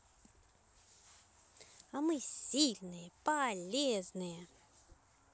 а мы сильные полезные